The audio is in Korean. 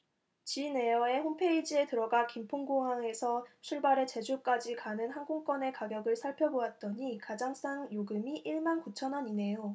진에어의 홈페이지에 들어가 김포공항에서 출발해 제주까지 가는 항공권의 가격을 살펴 보았더니 가장 싼 요금이 일 만 구천 원이네요